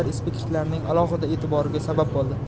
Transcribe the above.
ekspertlarining alohida e'tiboriga sabab bo'ldi